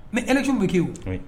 Ni election bɛ kɛ wo